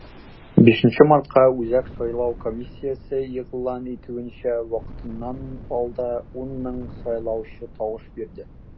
5 мартка, үзәк сайлау комиссиясе игълан итүенчә, вакытыннан алда 10 мең сайлаучы тавыш бирде.